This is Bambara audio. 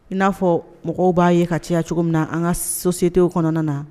In n'a fɔ mɔgɔw b'a ye ka cayaya cogo min na an ka so sete kɔnɔna na